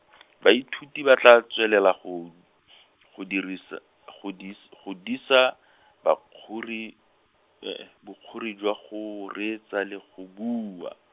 baithuti ba tla tswelela go , go dirisa, go dis- go disa, bakgori, hee, bokgori jwa go reetsa le go bua.